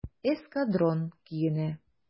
"эскадрон" көенә.